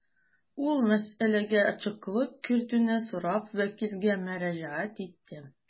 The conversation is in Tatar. Ул мәсьәләгә ачыклык кертүне сорап вәкилгә мөрәҗәгать итте.